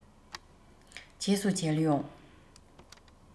རྗེས སུ མཇལ ཡོང